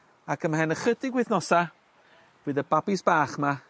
ac ymhen ychydig wythnosa fydd y babis bach 'ma